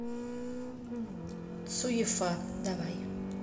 цуефа давай